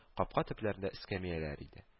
Капка төпләрендә эскәмияләр иде